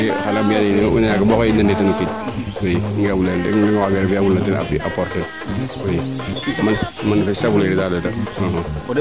xana mbiya ninoyo ndaa yaaga bo xaye i nana fule teen tig i leya fulaan dara i manifesté